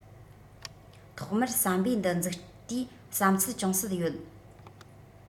ཐོག མར ཟམ པའི འདི འཛུགས དུས བསམ ཚུལ ཅུང ཟད ཡོད